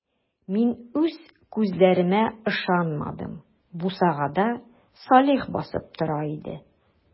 Мин үз күзләремә ышанмадым - бусагада Салих басып тора иде.